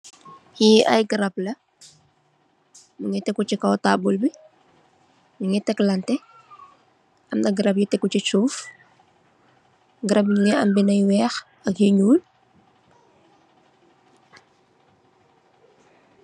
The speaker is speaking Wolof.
Li ay garap la ñi ngi tégu ci kaw tabull bi, ñi ngi tèg lante. Am na garap yu tégu ci suuf, garap yi ñi ngi am bindé yu wèèx ak yu ñuul.